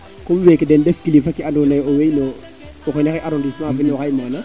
comme weeke den ndef kilifa ke ando naye owey no o xene xay no arrondissement waxey mana